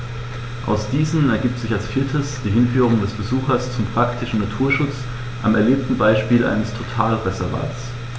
Aus diesen ergibt sich als viertes die Hinführung des Besuchers zum praktischen Naturschutz am erlebten Beispiel eines Totalreservats.